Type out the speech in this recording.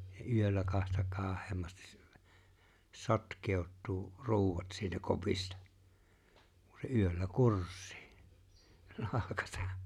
ja yöllä kahta kauheammin - sotkeutuu ruuat siitä kopista kun se yöllä kursii nahkansa